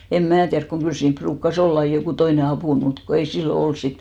en minä tiedä kun kyllä siinä ruukasi olla aina joku toinen apuna mutta kun ei silloin ollut sitten